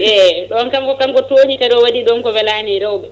eyyi ɗon kam o kanko tooñi kadi o waɗi ɗon ko welani rewɓe